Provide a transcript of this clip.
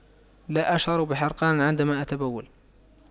لا أشعر بحرقان عندما أتبول